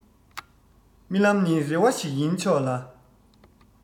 རྨི ལམ ནི རེ བ ཞིག ཡིན ཆོག ལ